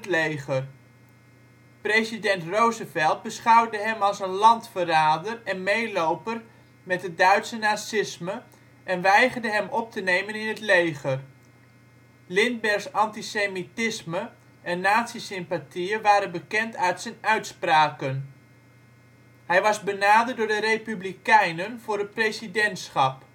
leger. President Roosevelt beschouwde hem als een landverrader en meeloper met het Duitse nazisme, en weigerde hem op te nemen in het leger. Lindberghs antisemitisme en nazisympathieën waren bekend uit zijn uitspraken. Hij was benaderd door de Republikeinen voor het presidentschap